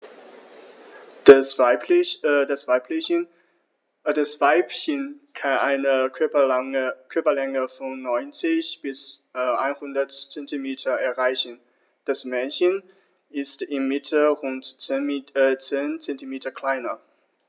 Das Weibchen kann eine Körperlänge von 90-100 cm erreichen; das Männchen ist im Mittel rund 10 cm kleiner.